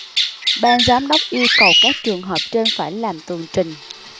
ban giám đốc yêu cầu các trường hợp trên phải làm tường trình